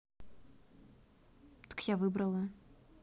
так я выбрала